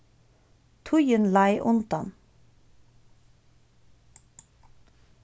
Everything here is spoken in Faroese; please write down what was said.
tíðin leið undan